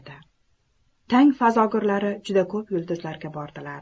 tang fazogirlari juda ko'p yulduzlarga bordilar